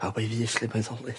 Pawb a'i fys lle byddolir.